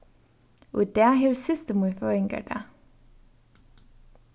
í dag hevur systir mín føðingardag